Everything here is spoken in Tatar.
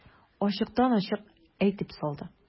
Ачыктан-ачык әйтеп салды.